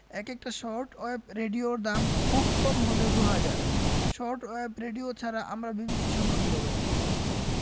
এক একটা short wave রেডিওর দাম খুব কম হলেও দু হাজার শর্ট ওয়েভ রেডিও ছাড়া আমরা বিবিসি শুনব কিভাবে